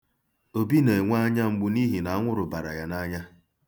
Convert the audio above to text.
Obi na-enwe anya mgbu n'ihi na anwụrụ bara ya n'anya.